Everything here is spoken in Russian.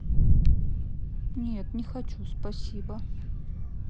нет не хочу спасибо